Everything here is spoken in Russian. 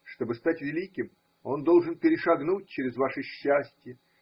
Чтобы стать великим, он должен перешагнуть через ваше счастье.